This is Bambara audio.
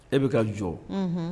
E bɛ ka jɔ